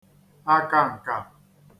akaǹkà